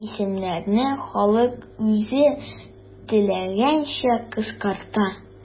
Исемнәрне халык үзе теләгәнчә кыскарта.